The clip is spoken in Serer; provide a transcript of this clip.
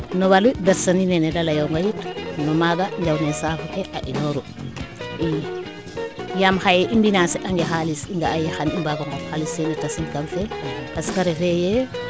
no waalu bergeire neene de leyoonga yit no maaga njawne saafu ke a inoru i yaam xaye i mbinas ange xalis i nga a ye xay i mbaago ngot xalis fee i tasin kam fee parce que refe yee